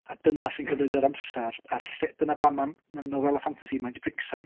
A dyna sy'n cymryd yr amser a'r ll-... Dyna pam ma' nofelau ffantasi maint bricsan.